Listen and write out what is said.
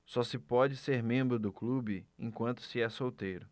só se pode ser membro do clube enquanto se é solteiro